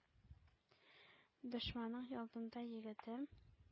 Дошманың алдында, егетем,